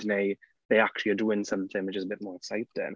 Neu they actually are doing something which is a bit more exciting.